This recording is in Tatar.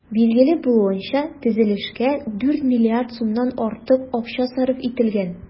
Билгеле булуынча, төзелешкә 4 миллиард сумнан артык акча сарыф ителгән.